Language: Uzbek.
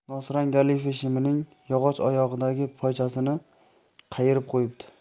nosrang galife shimining yog'och oyog'idagi pochasini qayirib qo'yibdi